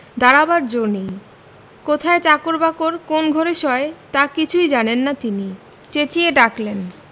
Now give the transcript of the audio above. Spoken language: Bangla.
দাঁড়াবার জো কি কোথায় চাকর বাকর কোন্ ঘরে শোয় তারা কিছুই জানেন না তিনি চেঁচিয়ে ডাকলেন